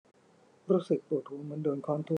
รู้สึกปวดหัวเหมือนโดนค้อนทุบ